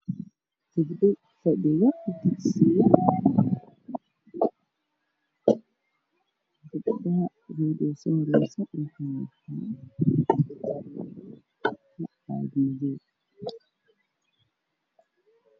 Waa dugsi ay fadhiyaan gabdho arday ah oo wataan xijaabo guduud caddays cadaan qaxoow madow dhulka waa mataleel cadaan